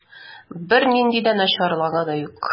Бернинди начарлыгы да юк.